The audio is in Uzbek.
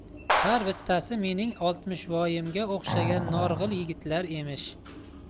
har bittasi mening oltmishvoyimga o'xshagan norg'il yigitlar emish